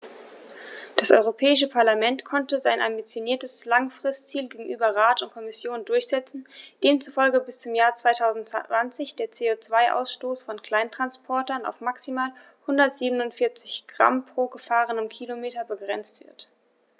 Das Europäische Parlament konnte sein ambitioniertes Langfristziel gegenüber Rat und Kommission durchsetzen, demzufolge bis zum Jahr 2020 der CO2-Ausstoß von Kleinsttransportern auf maximal 147 Gramm pro gefahrenem Kilometer begrenzt wird.